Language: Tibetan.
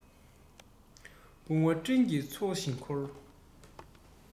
བུང བ སྤྲིན གྱི ཚོགས བཞིན འཁོར